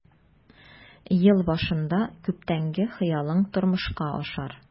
Ел башында күптәнге хыялың тормышка ашар.